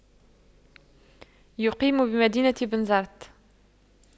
يقيم بمدينة بنزرت